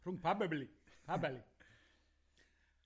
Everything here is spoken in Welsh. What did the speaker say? Ehwng pabeli. Pa beli.